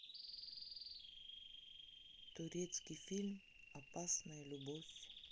турецкий фильм опасная любовь